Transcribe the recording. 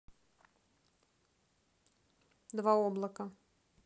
два облака